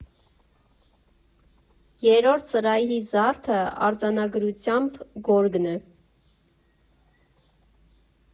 Երրորդ սրահի զարդը արձանագրությամբ գորգն է.